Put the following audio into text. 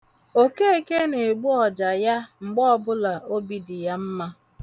Okeke na-egbu ọja ya mgbe ọbụla obi dị ya mma.